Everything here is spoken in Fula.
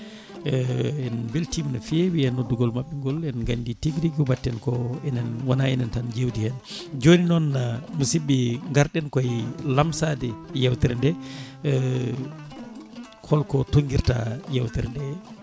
e n beltima no fewi e noddugol mabɓe ngol en gandi tigui rigui ko mbatten koko enen wona enen ta jewti hen joni noon musibɓe garɗen kooye lamsade yewtere nde holko tonguirta yewtere nde